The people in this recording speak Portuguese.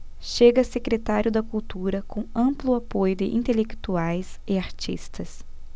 chega a secretário da cultura com amplo apoio de intelectuais e artistas